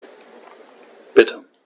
Bitte.